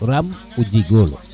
ram o jego la